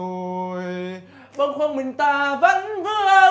dồi bâng khuâng mình ta vấn